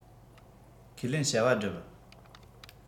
ཁས ལེན བྱ བ བསྒྲུབ